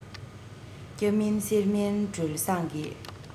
སྐྱ མིན སེར མིན སྒྲོལ བཟང གིས